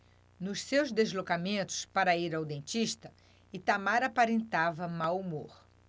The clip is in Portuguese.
nos seus deslocamentos para ir ao dentista itamar aparentava mau humor